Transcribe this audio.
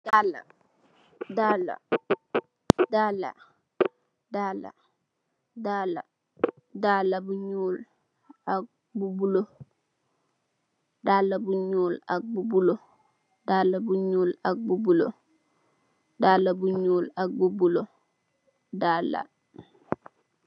Darlar, darlar, darlar, darlar, darlar, darlar bu njull ak bu bleu, darlar bu njull ak bu bleu, darlar bu njull ak bu bleu, darlar bu njull ak bu bleu, darlar.